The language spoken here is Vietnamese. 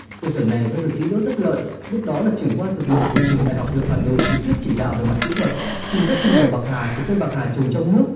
cơ sở này do dược sĩ đỗ tất lợi lúc đó là trưởng khoa dược liệu của trường đại học dược hà nội trực tiếp chỉ đạo về mặt kỹ thuật chưng cất tinh dầu bạc hà cây bạc hà trồng trong nước